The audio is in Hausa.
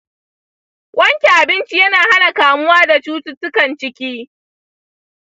wanke abinci yana hana kamuwa da cututtukan ciki.